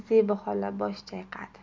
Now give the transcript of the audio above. zebi xola bosh chayqadi